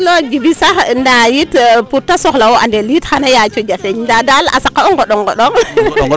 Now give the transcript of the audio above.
ndingilo Djiby sax ndaa yit pour te soxla o andel yit xana yaaco jafeñ ndaa daal a saqa o ngodo ndondo